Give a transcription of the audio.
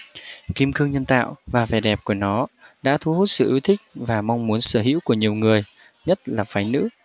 kim cương nhân tạo và vẻ đẹp của nó đã thu hút sự yêu thích và mong muốn sở hữu của nhiều người nhất là phái nữ